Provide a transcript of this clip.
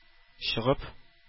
Чыгып